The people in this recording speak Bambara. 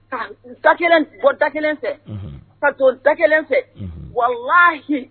Ka da kelen bɔ da kelen fɛ ka to da kelen fɛ wa waa